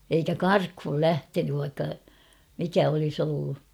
eikä karkuun lähtenyt vaikka mikä olisi ollut